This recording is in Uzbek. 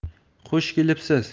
xush kelibsiz